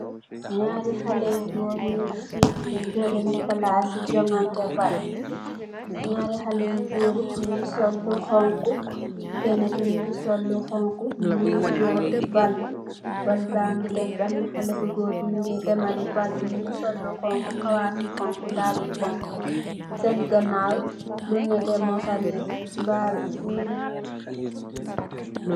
Nyarri haleh yu goor nyung ci bureau bi palasi jonganteh ball bi. Nyarri haleh goor yi nyungi sol lu xonxo, kenaki mungi sol lu xonxo, munge dorr ball bi. Ball bange dem, benen haleh bu goor bi munge demaleh ball bi, mungi sol lu xonxo, dalla yu xonxo. Seen ganaw lu neteh mufa neka.